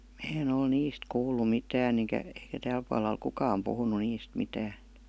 minä en ole niistä kuullut mitään enkä eikä täällä puolella ole kukaan puhunut niistä mitään